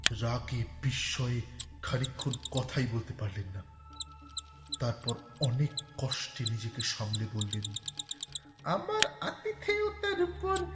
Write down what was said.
রাগে বিস্ময়ে খানিকক্ষণ কথাই বলতে পারলেন না তারপর অনেক কষ্টে নিজেকে সামলে বললেন আমার আতিথিয়তার উপর